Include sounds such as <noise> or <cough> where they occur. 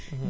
<hesitation> <hesitation>